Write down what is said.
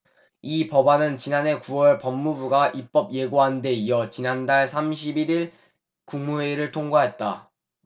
이 법안은 지난해 구 월 법무부가 입법예고한데 이어 지난달 삼십 일 일 국무회의를 통과했다